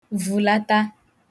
vùlata